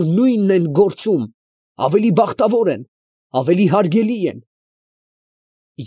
Որ նույնն են գործում, ավելի բախտավոր են, ավելի հարգելի են։